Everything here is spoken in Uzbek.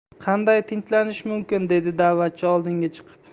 qanday tinchlanish mumkin dedi da'vatchi oldinga chiqib